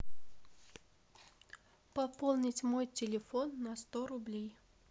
пополнить мой телефон на сто рублей